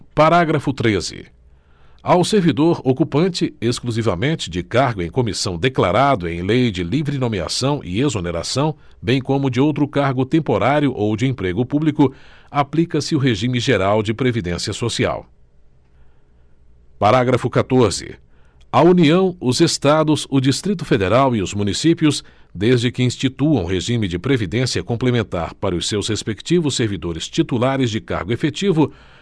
parágrafo treze ao servidor ocupante exclusivamente de cargo em comissão declarado em lei de livre nomeação e exoneração bem como de outro cargo temporário ou de emprego público aplica se o regime geral de previdência social parágrafo quatorze a união os estados o distrito federal e os municípios desde que instituam regime de previdência complementar para os seus respectivos servidores titulares de cargo efetivo